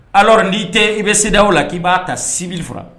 Alors ni te, i bi CEDEAO la . Ki ba ta 6000 francs